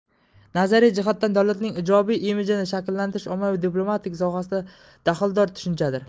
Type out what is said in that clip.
nazariy jihatdan davlatning ijobiy imijini shakllantirish ommaviy diplomatiya sohasiga daxldor tushunchadir